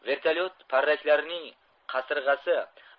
vertolyot parraklarining kasirg'asi